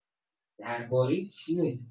درباره چیه؟